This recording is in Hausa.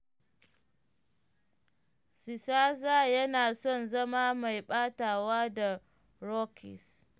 Scherzer yana son zama mai ɓatawa da Rockies